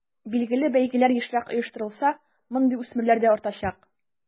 Билгеле, бәйгеләр ешрак оештырылса, мондый үсмерләр дә артачак.